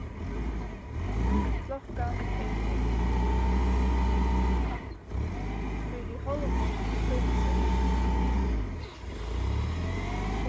klokkan er nógv fyri hálvum tíma síðan